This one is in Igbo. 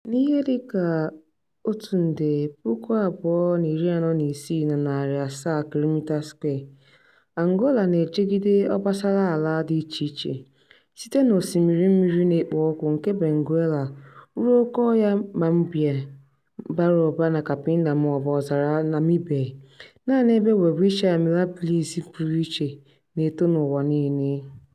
N'ihe dịka 1,246,700 km2, Angola na-ejigide obosaraala dị icheiche, site n'osimiri mmiri na-ekpo ọkụ nke Benguela ruo okéọhịa Maiombe bara ụba na Cabinda maọbụ ọzara Namibe, naanị ebe welwitschia mirabilis pụrụ iche na-eto n'ụwa niile.